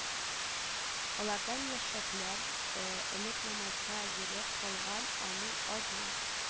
Алардан яшьрәкләр, элек намазга йөреп калган, аның аз-маз